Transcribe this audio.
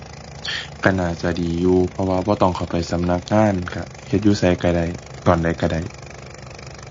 ก็น่าจะดีอยู่ เพราะว่าบ่ต้องเข้าไปสำนักงานก็เฮ็ดอยู่ไสก็ได้ ตอนใดก็ได้